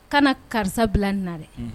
Kana karisa bila nin na dɛ unhun